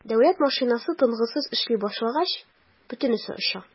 Дәүләт машинасы тынгысыз эшли башлагач - бөтенесе оча.